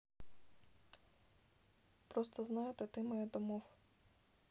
просто знает а ты моя домов